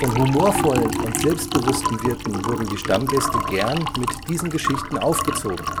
humorvollen und selbstbewussten Wirten wurden die Stammgäste gern mit diesen Geschichten aufgezogen